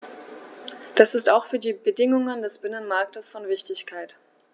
Das ist auch für die Bedingungen des Binnenmarktes von Wichtigkeit.